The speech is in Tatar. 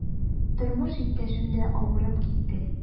Тормыш иптәшем дә авырып китте.